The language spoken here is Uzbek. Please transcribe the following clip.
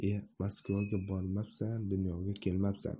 e maskovga bormabsan dunyoga kelmabsan